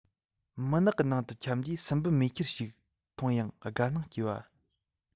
མུན ནག གི ནང དུ འཁྱམ དུས སྲིན འབུ མེ ཁྱེར ཞིག མཐོང ཡང དགའ སྣང སྐྱེ བ